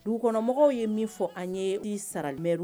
Dugukɔnɔmɔgɔw ye min fɔ an ye sarameɛri